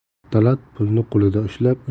talat pulni qo'lida ushlab